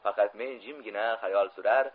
faqat men jimgina hayol surar